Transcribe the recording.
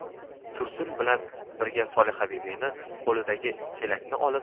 tursun bilan birga solihabibining qo'lidan chelakni olib